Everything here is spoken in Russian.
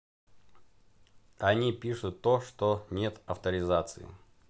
они пишут то что нет авторизации